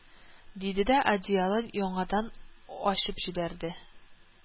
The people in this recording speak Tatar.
Диде дә одеялын яңадан ачып җибәрде